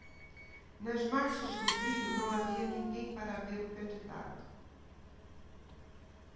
nas margens do rio não havia ninguém para ver o candidato